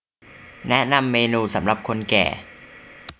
แนะนำเมนูสำหรับคนแก่